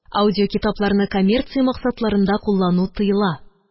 Аудиокитапларны коммерция максатларында куллану тыела